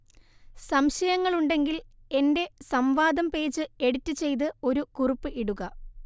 സംശയങ്ങൾ ഉണ്ടെങ്കിൽ എന്റെ സംവാദം പേജ് എഡിറ്റ് ചെയ്ത് ഒരു കുറിപ്പ് ഇടുക